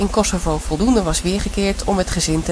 Kosovo voldoende was weergekeerd om het gezin